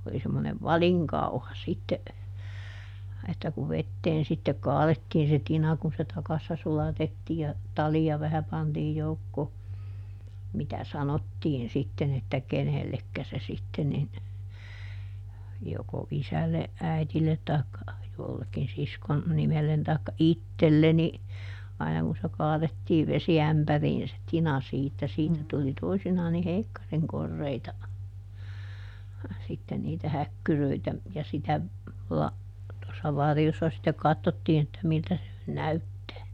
oli semmoinen valinkauha sitten että kun veteen sitten kaadettiin se tina kun se takassa sulatettiin ja talia vähän pantiin joukkoon mitä sanottiin sitten että kenellekä se sitten niin joko isälle äidille tai jollekin siskon nimelle tai itselleni aina kun se kaadettiin vesiämpäriin se tina siitä siitä tuli toisinaan niin heikkarin koreita sitten niitä häkkyröitä ja sitä - tuossa varjossa sitten katsottiin että miltä se nyt näyttää